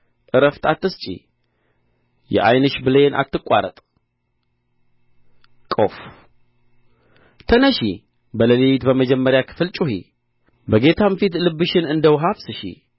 ዕረፍት አትስጪ የዓይንሽ ብሌን አታቋርጥ ቆፍ ተነሺ በሌሊት በመጀመሪያ ክፍል ጩኺ በጌታም ፊት ልብሽን እንደ ውኃ አፍስሺ